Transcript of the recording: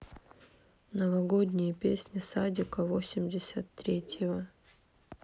новогодние песни садика восемьдесят третьего